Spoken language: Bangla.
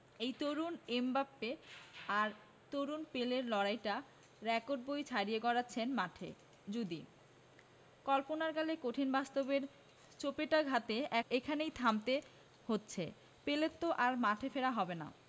এই তরুণ এমবাপ্পে আর তরুণ পেলের লড়াইটা রেকর্ড বই ছাড়িয়ে গড়াচ্ছে মাঠে যদি কল্পনার গালে কঠিন বাস্তবের চপেটাঘাতে এখানেই থামতে হচ্ছে পেলের তো আর মাঠে ফেরা হবে না